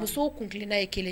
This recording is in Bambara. Musow kun tilenna ye kelen